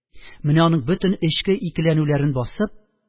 Менә аның бөтен эчке икеләнүләрен басып